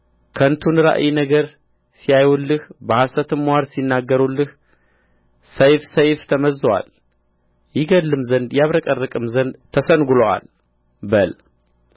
ከንቱን ራእይ ነገር ሲያዩልህ በሐሰትም ምዋርት ሲናገሩልህ ሰይፍ ሰይፍ ተመዝዞአል ይገድልም ዘንድ ያብረቀርቅም ዘንድ ተሰንግሎአል በል